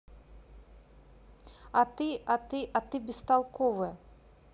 а ты а ты а ты бестолковая